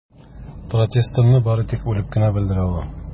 Протестымны бары тик үлеп кенә белдерә алам.